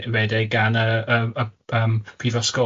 redeg gan yr yym y yym Prifysgol